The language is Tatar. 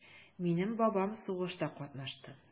Минем бабам сугышта катнашты.